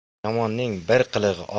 yomonning bir qilig'i